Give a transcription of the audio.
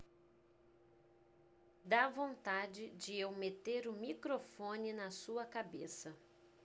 dá vontade de eu meter o microfone na sua cabeça